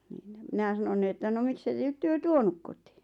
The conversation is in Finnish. niin ja minä sanon niin että no miksi ei te tyttöä tuonut kotiin